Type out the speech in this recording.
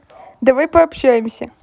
давай пообщаемся